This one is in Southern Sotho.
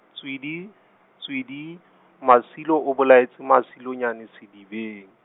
tswidi, tswidi, Masilo o bolaetse Masilonyane sedibeng.